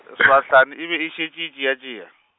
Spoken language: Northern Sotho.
swahlane e be e šetše e tšeatšea.